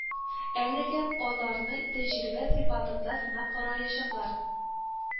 Әлегә аларны тәҗрибә сыйфатында сынап караячаклар